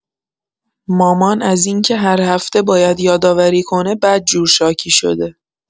مامان از اینکه هر هفته باید یادآوری کنه بدجور شاکی شده.